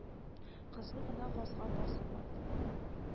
Кызу гына газга басып алды